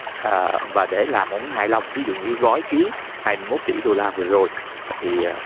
và để làm ông ấy hài lòng ví dụ như gói ký hai mốt tỉ đô la vừa rồi thì